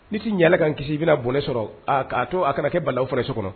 Ni tɛ yaala ka kisi bɛna bɔɛ sɔrɔ a k'a to a kana kɛ bala fɛnɛso kɔnɔ